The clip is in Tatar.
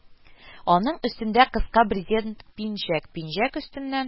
Аның өстендә кыска брезент пинжәк, пинжәк өстеннән